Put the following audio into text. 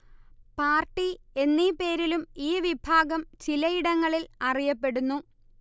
party എന്നീ പേരിലും ഈ വിഭാഗം ചിലയിടങ്ങളിൽ അറിയപ്പെടുന്നു